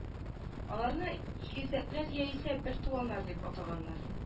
Аларны игезәкләр яисә бертуганнар дип атаганнар